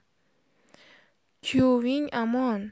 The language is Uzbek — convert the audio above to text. kuyoving amon